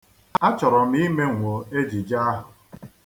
A chọrọ m imenwo ejije ahụ.